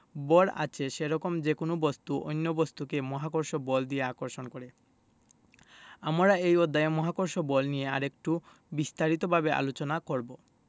ভর আছে সেরকম যেকোনো বস্তু অন্য বস্তুকে মহাকর্ষ বল দিয়ে আকর্ষণ করে আমরা এই অধ্যায়ে মহাকর্ষ বল নিয়ে আরেকটু বিস্তারিতভাবে আলোচনা করব